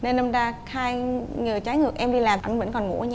nên nam đa khanh giờ trái ngược em đi làm ảnh vẫn còn ngủ ở nhà